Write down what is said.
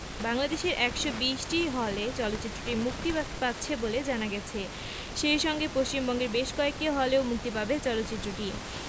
বাংলাদেশের ১২০টি হলে চলচ্চিত্রটি মুক্তি পাচ্ছে বলে জানা গেছে সেই সঙ্গে পশ্চিমবঙ্গের বেশ কয়েকটি হলেও মুক্তি পাবে চলচ্চিত্রটি